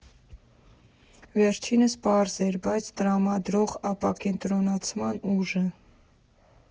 Վերջինս պարզ էր, բայց տրամադրող՝ «ապակենտրոնացման ուժը»։